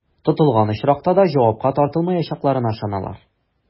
Тотылган очракта да җавапка тартылмаячакларына ышаналар.